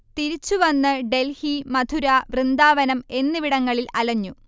തിരിച്ചുവന്ന് ഡൽഹി, മഥുര, വൃന്ദാവനം എന്നിവിടങ്ങളിൽ അലഞ്ഞു